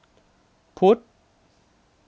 พุธ